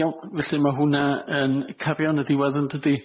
Iawn felly ma' hwnna yn cario yn y diwedd yndydi?